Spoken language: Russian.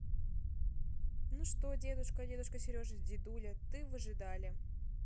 ну что дедушка дедушка сережа дедуля ты выжидали